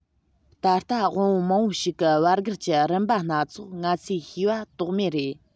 ད ལྟ དབང པོ མང པོ ཞིག གི བར བརྒལ གྱི རིམ པ སྣ ཚོགས ང ཚོས མི ཤེས པ དོགས མེད རེད